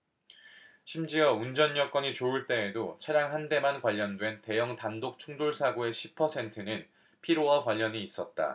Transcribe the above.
심지어 운전 여건이 좋을 때에도 차량 한 대만 관련된 대형 단독 충돌 사고의 십 퍼센트는 피로와 관련이 있었다